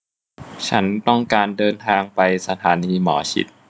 ฉันต้องการเดินทางไปสถานีหมอชิต